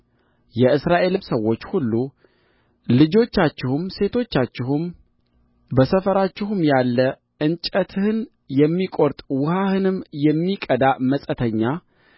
የእስራኤል ሰዎች ሁሉ ልጆቻችሁም ሴቶቻችሁም በሰፈራችሁም ያለ እንጨትህን የሚቈርጥ ውኃህንም የሚቀዳ መጻተኛ